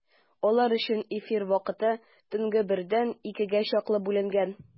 Алар өчен эфир вакыты төнге бердән икегә чаклы бүленгән.